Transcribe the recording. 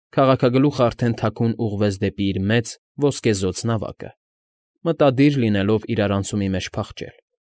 Քաղաքագլուխն արդեն թաքուն ուղղվեց դեպի իր մեծ ոսկեզօծ նավակը՝ մտադիր լինելով իրարանցումի մեջ փախչել։